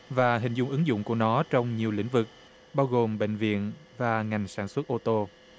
và hình dung ứng dụng của nó trong nhiều lĩnh vực bao gồm bệnh viện và ngành sản xuất ôtô